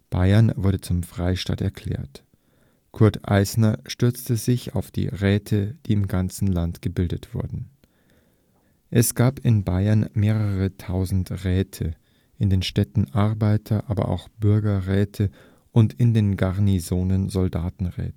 Bayern wurde zum Freistaat erklärt. Kurt Eisner stützte sich auf die Räte, die im ganzen Land gebildet wurden. Es gab in Bayern mehrere Tausend Räte, in den Städten Arbeiter - aber auch Bürgerräte und in den Garnisonen Soldatenräte